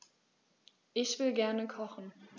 Ich will gerne kochen.